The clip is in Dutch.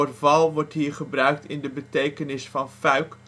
val " wordt hier gebruikt in de betekenis van fuik